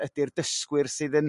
ydy'r dysgwyr sydd yn